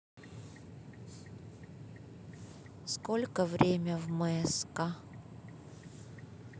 сколько время в мск